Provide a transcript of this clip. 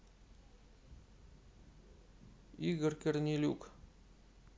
игорь корнелюк